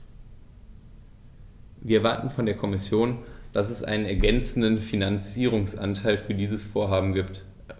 Wir erwarten von der Kommission, dass es einen ergänzenden Finanzierungsanteil für die Vorhaben gibt.